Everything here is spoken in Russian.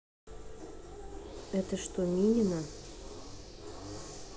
это что минина